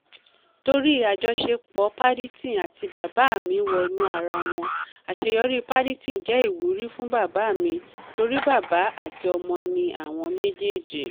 Torí àjọṣe Paddington àti bàbá mi wọnú ara wọn, àṣeyọrí Paddington jẹ́ ìwúrí fún bàbá mi torí bàbá àti ọmọ ni àwọn méjèèjì.